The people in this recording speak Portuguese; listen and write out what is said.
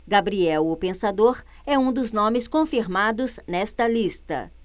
gabriel o pensador é um dos nomes confirmados nesta lista